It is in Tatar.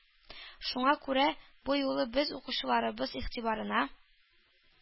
Шуңа күрә бу юлы без укучыларыбыз игътибарына